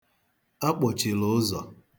Akpọchila ụzọ.